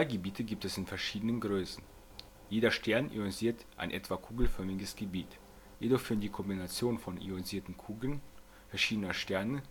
H-II-Gebiete gibt es in verschieden Größen. Jeder Stern ionisiert ein etwa kugelförmiges Gebiet. Jedoch führen die Kombination von Ionisierten Kugeln verschiedener Sterne